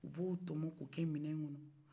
u b'o tɔmɔn k'o kɛ minan kɔnɔ